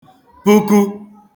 puku